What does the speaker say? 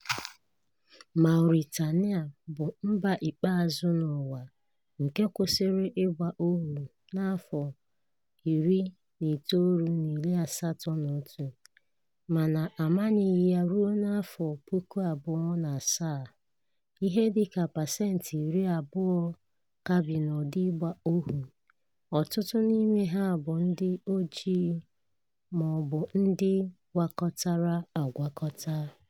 Mauritania bụ mba ikpeazụ n'ụwa nke kwụsịrị ịgba ohu n'afọ 1981 mana a manyeghị ya ruo afọ 2007, ihe dị ka pasentị iri abụọ ka bi n'ụdị ịgba ohu, ọtụtụ n'ime ha bụ ndị ojii ma ọ bụ ndị gwakọtara agwakọta.